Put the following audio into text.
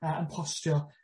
Yy yn postio